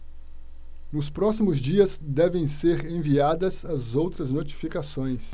nos próximos dias devem ser enviadas as outras notificações